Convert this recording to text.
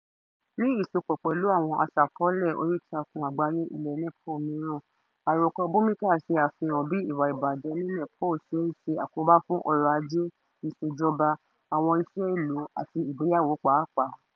Ní ìsopọ̀ pẹ̀lú àwọn aṣàkọọ́lẹ̀ oríìtakùn àgbáyé ilẹ̀ Nepal mìíràn, àròkọ Bhumika ṣe àfihàn bí ìwà ìbàjẹ́ ní Nepal ṣe ń ṣe àkóbá fún ọrọ̀-ajé, ìṣèjọba, àwọn iṣẹ́ ìlú àti ìgbéyàwó pàápàá.